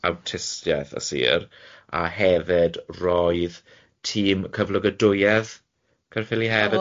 awtistieth y sir, a hefyd roedd tîm cyflogadwyedd Caerffili hefyd yno